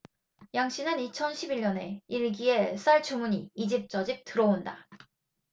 양씨는 이천 십 일 년에 일기에 쌀 주문이 이집저집 들어온다